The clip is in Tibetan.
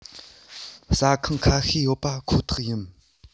ཟ ཁང ཁ ཤས ཡོད པ ཁོ ཐག ཡིན